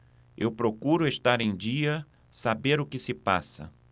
eu procuro estar em dia saber o que se passa